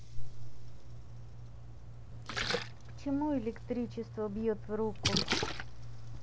почему электричество бьет в руку